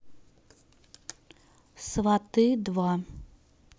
сваты два